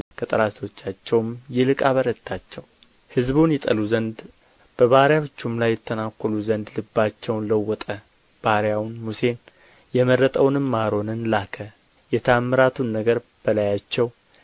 ከጠላቶቻቸውም ይልቅ አበረታቸው ሕዝቡን ይጠሉ ዘንድ በባሪያዎቹም ላይ ይተነኰሉ ዘንድ ልባቸውን ለወጠ ባሪያውን ሙሴን የመረጠውንም አሮንን ላከ የተኣምራቱን ነገር በላያቸው